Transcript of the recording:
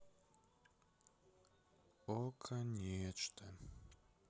окко нечто